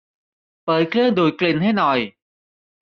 เปิดเครื่องดูดกลิ่นให้หน่อย